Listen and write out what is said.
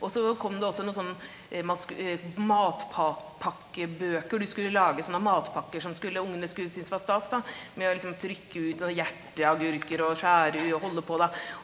og så kom det også noe sånn man matpakkebøker, du skulle lage sånne matpakker som skulle ungene skulle synes var stas da med å liksom trykke ut sånne hjerteagurker og skjære og holde på da.